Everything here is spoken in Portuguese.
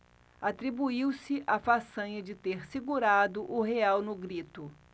atribuiu-se a façanha de ter segurado o real no grito